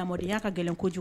Lamɔndenya ka gɛlɛn ko kojugu.